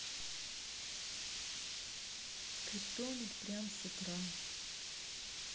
скриптонит прям с утра